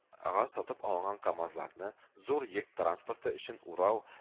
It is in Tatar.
Га сатып алынган. камазларны зур йөк транспорты өчен урау